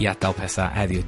I adal petha heddiw.